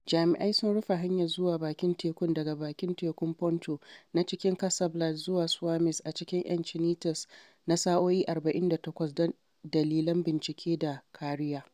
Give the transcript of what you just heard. Jami’ai sun rufe hanyar zuwa bakin tekun daga Bakin Tekun Ponto na cikin Casablad zuwa Swami's a cikin Ecinitas na sa’o’i 48 don dalilan bincike da kariya.